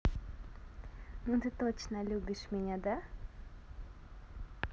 ну ты точно меня любишь да